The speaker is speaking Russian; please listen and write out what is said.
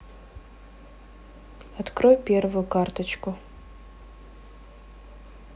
открой первую карточку